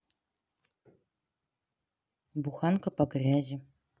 буханка по грязи